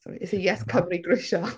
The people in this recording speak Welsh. Sori it's a Yes Cymru grisial!